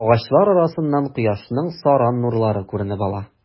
Агачлар арасыннан кояшның саран нурлары күренеп ала.